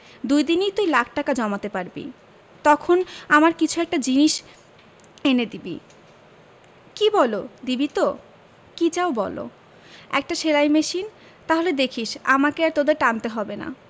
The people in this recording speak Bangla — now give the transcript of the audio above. দুইদিনেই তুই লাখ টাকা জমাতে পারবি তখন আমার কিছু একটা জিনিস এনে দিবি কি বলো দিবি তো কি চাও বলো একটা সেলাই মেশিন তাহলে দেখিস আমাকে আর তোদের টানতে হবে না